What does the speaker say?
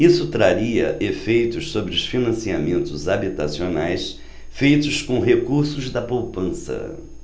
isso traria efeitos sobre os financiamentos habitacionais feitos com recursos da poupança